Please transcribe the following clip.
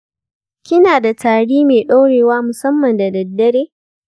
kina da tari mai ɗorewa musamman da daddare?